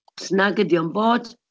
Os nag ydi o'n bod